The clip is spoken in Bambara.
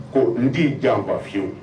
Ko n t'i janfa fiyewu